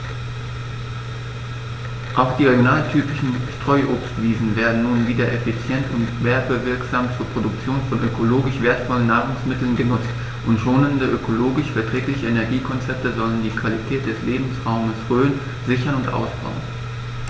Auch die regionaltypischen Streuobstwiesen werden nun wieder effizient und werbewirksam zur Produktion von ökologisch wertvollen Nahrungsmitteln genutzt, und schonende, ökologisch verträgliche Energiekonzepte sollen die Qualität des Lebensraumes Rhön sichern und ausbauen.